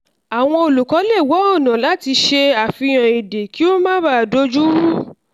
Àwọn olùkọ́ lè wá ọ̀nà láti ṣe àfihàn èdè kí ó má baà dojú rú.